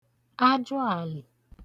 ajụàlị̀